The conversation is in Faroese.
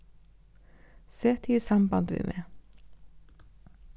set teg í samband við meg